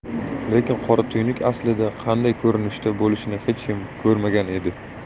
lekin qora tuynuk aslida qanday ko'rinishda bo'lishini hech kim ko'rmagan edi